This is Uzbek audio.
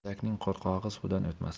eshakning qo'rqog'i suvdan o'tmas